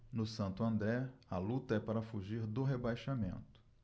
no santo andré a luta é para fugir do rebaixamento